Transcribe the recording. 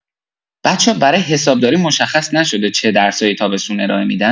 بچه‌ها برای حسابداری مشخص نشده چه درسایی تابستون ارائه می‌دن؟